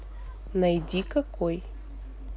найди какой